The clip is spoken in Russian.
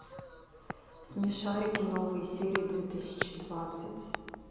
смешарики новые серии две тысячи двадцать